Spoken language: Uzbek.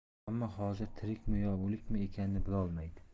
ammo hozir tirikmi yo o'likmi ekanini bilolmaydi